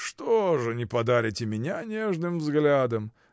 — Что ж не подарите меня нежным взглядом?